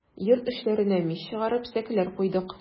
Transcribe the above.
Йорт эчләренә мич чыгарып, сәкеләр куйдык.